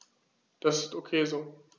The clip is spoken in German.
Das ist ok so.